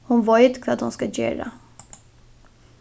hon veit hvat hon skal gera